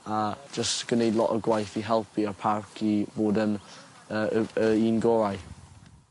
a jys gen i lot o gwaith i helpu y parc i fod yn yy yr y un gorau.